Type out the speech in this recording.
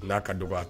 La ka dugawu